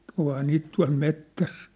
onhan niitä tuolla metsässä